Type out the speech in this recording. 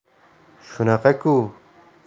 shunaqa ku